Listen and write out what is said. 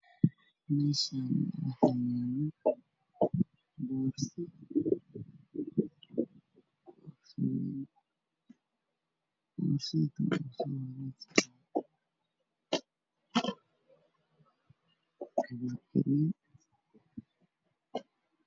Meeshan waxaa yaalo boorsooyin karradii caddaan dhulka waa in dhulka waa midow